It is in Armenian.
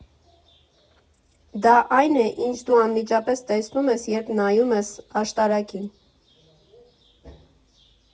«Դա այն է, ինչ դու անմիջապես տեսնում ես, երբ նայում ես աշտարակին։